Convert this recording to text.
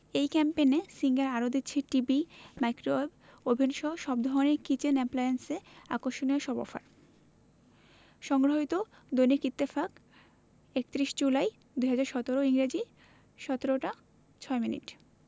এই ক্যাম্পেইনে সিঙ্গার আরো দিচ্ছে টিভি মাইক্রোওয়েভ ওভেনসহ সব ধরনের কিচেন অ্যাপ্লায়েন্সে আকর্ষণীয় সব অফার সংগৃহীত দৈনিক ইত্তেফাক ৩১ জুলাই ২০১৭ ইংরেজি ১৭ টা ৬ মিনিট